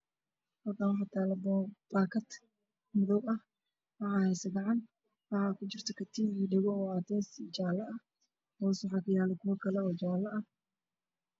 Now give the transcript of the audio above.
Halkaan waxaa taalo baakad madow ah waxaa heyso gacan waxaa kujirto katiin iyo dhago oo cadeys iyo jaale ah, hoos waxaa kayaalo kuwa kaloo jaale ah.